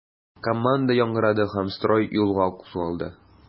Команда яңгырады һәм строй юлга кузгалды.